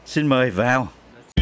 xin mời vào